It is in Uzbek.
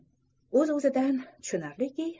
hz o'zidan tushunarliki